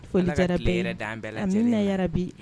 Ko jara bɛɛ yɛrɛ da an bɛɛ la bi